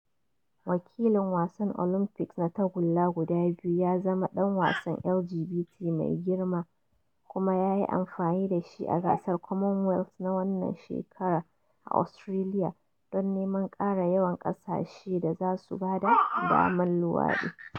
Wakilin wasan Olympics na tagulla guda biyu ya zama dan wasan LGBT mai girma kuma ya yi amfani da shi a gasar Commonwealth na wannan shekara a Australia don neman kara yawan kasashe da zasu bada daman luwadi.